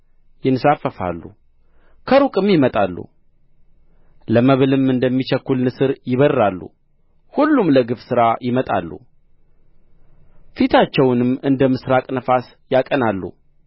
ይንሳፈፋሉ ከሩቅም ይመጣሉ ለመብልም እንደሚቸኵል ንስር ይበርራሉ ሁሉም ለግፍ ሥራ ይመጣሉ ፊታቸውንም እንደ ምሥራቅ ነፋስ ያቀናሉ